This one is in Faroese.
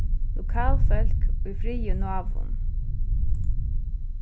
lokal fólk í friði og náðum